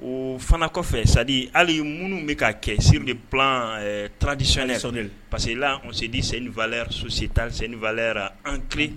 O fana kɔfɛ ça dire hali minnu bɛ ka kɛ sur le plan traditionel parce que la on se dit c'est une valeur sociéale, c'est une valeur encrée